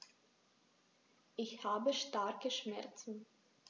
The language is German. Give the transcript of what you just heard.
Ich habe starke Schmerzen.